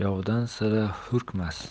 yovdan sira hurkmas